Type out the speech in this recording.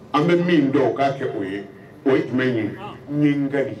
An bɛ min dɔw o k'a kɛ o ye o ye tun bɛ ɲi nin ka ɲi